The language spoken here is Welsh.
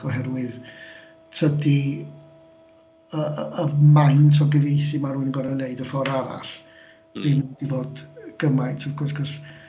Oherwydd dydi y y yr maint o gyfieithu ma' rywun yn gorfod ei wneud y ffordd arall... m-hm. ...ddim 'di bod gymaint wrth gwrs achos...